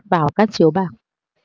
vào hết các chiếu bạc